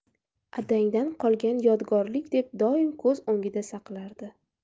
adangdan qolgan yodgorlik deb doim ko'z o'ngida saqlardi